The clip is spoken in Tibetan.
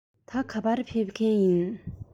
ད ག པར ཕེབས མཁན ཡིན ན